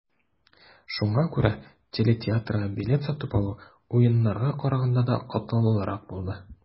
Шуңа күрә телетеатрга билет сатып алу, Уеннарга караганда да катлаулырак булды.